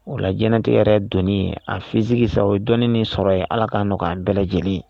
O la jtigɛ yɛrɛ dɔn ye a fisigisa o ye dɔnnen sɔrɔ ye ala kaɔgɔn an bɛɛ lajɛlen